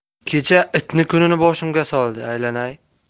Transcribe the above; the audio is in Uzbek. kecha itni kunini boshimga soldi aylanay